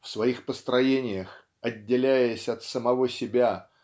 В своих построениях отделяясь от самого себя